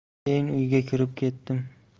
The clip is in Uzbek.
keyin uyga kirib kedim